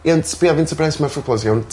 Ie ond sbia faint o bres ma'r footballers iawn